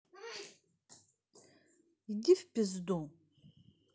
иди в пизду